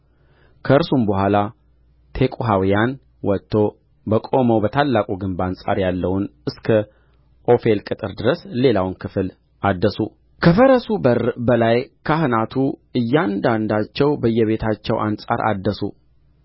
ከእርሱም በኋላ ቴቁሐውያን ወጥቶ በቆመው በታላቁ ግንብ አንጻር ያለውን እስከ ዖፌል ቅጥር ድረስ ሌላውን ክፍል አደሱ ከፈረሱ በር በላይ ካህናቱ እያንዳንዳቸው በየቤታቸው አንጻር አደሱ